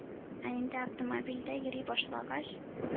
Ә инде автомобильдә йөри башлагач,